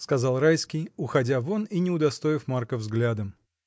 — сказал Райский, уходя вон и не удостоив Марка взглядом.